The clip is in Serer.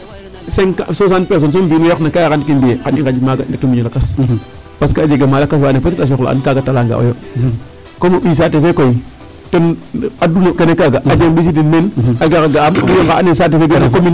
Mais au moins 50 60 personne soom mbi'u wee yoqna 40 ke mbiyee xan i ngaƴin maaga ndet o mbiñ o lakas parce que a jega lakas kaa soxlana kaaga da laacaayo comme o ɓiy saate fe koy ten adwu no kene kaaga a ga' ɓisiidin meen a gara ga'aam ta ref o ɓiy onqa andoona yee saate fe genu commune ge'nu.